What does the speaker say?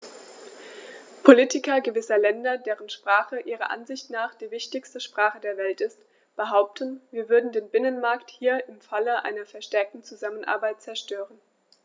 Politiker gewisser Länder, deren Sprache ihrer Ansicht nach die wichtigste Sprache der Welt ist, behaupten, wir würden den Binnenmarkt hier im Falle einer verstärkten Zusammenarbeit zerstören.